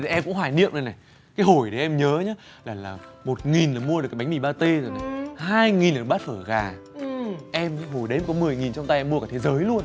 em cũng hoài niệm đây này cái hồi đấy em nhớ nhá là là một nghìn là mua được cái bánh mỳ ba tê rồi hai nghìn bát phở gà em nhớ hồi đấy em có mười nghìn trong tay em mua cả thế giới luôn